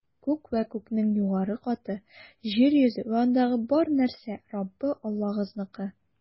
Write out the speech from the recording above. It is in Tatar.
Күк вә күкнең югары каты, җир йөзе вә андагы бар нәрсә - Раббы Аллагызныкы.